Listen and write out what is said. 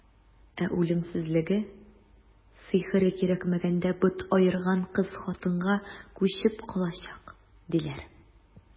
Ә үлемсезлеге, сихере кирәкмәгәндә бот аерган кыз-хатынга күчеп калачак, диләр.